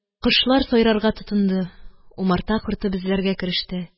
Кошлар сайрарга тотынды, умарта корты безләргә кереште